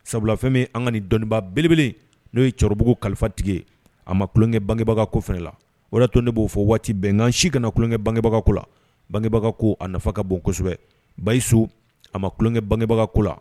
Sabulafɛn min an ka ni dɔnniiba belebele n'o ye cɛrɔbabugu kalifatigi ye a ma tulon kɛ bangebagako fana la, o y'a to ne de b'o fɔ waati bɛɛ nkan si kana tulon kɛ bangebagako la, bangebagako a nafaka bon kosɛbɛ, Bayisu , a ma tulon kɛ bangebagako la.